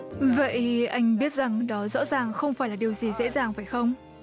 vậy anh biết rằng đó rõ ràng không phải là điều gì dễ dàng phải không